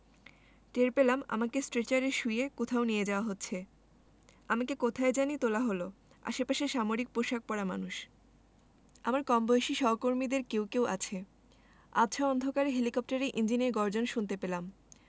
টের পেলাম আমাকে স্ট্রেচারে শুইয়ে কোথাও নিয়ে যাওয়া হচ্ছে আমাকে কোথায় জানি তোলা হলো আশেপাশে সামরিক পোশাক পরা মানুষ আমার কমবয়সী সহকর্মীদের কেউ কেউ আছে আবছা অন্ধকারে হেলিকপ্টারের ইঞ্জিনের গর্জন শুনতে পেলাম